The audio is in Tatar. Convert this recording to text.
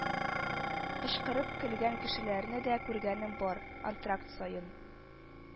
Кычкырып көлгән кешеләрне дә күргәнем бар, антракт саен